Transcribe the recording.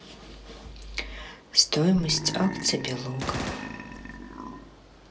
стоимость акций белуга